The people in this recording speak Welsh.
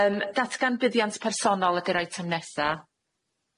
Yym datgan buddiant personol ydi'r eitem nesa.